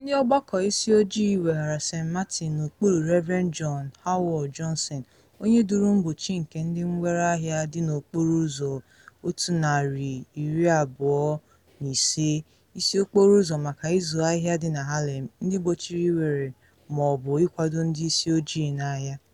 Ndị ọgbakọ isi ojii weghara St. Martin n’okpuru Rev. John Howard Johnson, onye duru mgbochi nke ndị mgbere ahịa dị na Okporo Ụzọ 125, isi okporo ụzọ maka ịzụ ahịa dị na Harlem, ndị gbochiri ịwere ma ọ bụ ịkwado ndị isi ojii n’ahịa.